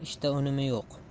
ishda unumi yo'q